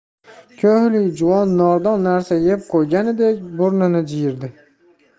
ko'hlik juvon nordon narsa yeb qo'ygandek burnini jiyirdi